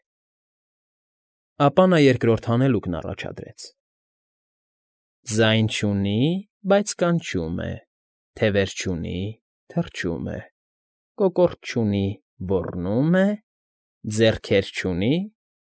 Է… Ապա նա երկրորդ հանելուկն առաջադրեց. Ձայն չունի, բայց կանչում է, Թևեր չունի, թռչում է, Կոկորդ չունի՝ ոռնում է, Ձեռքեր չունի՝